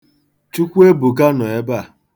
Chukwuebuka nọ ebe a.